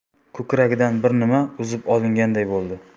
ko'kragidan bir nima uzib olinganday bo'ldi